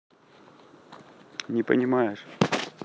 не понимаешь